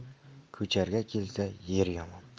ko'charga kelsa yer yomon